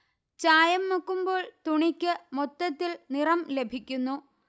ചായം മുക്കുമ്പോൾ തുണിക്ക് മൊത്തത്തിൽ നിറം ലഭിക്കുന്നു